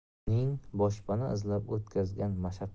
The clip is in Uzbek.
uning boshpana izlab o'tkazgan